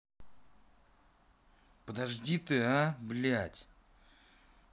подожди ты а блядь